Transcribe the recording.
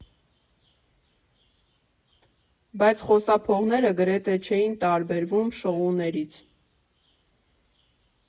Բաց խոսափողները գրեթե չէին տարբերվում շոուներից։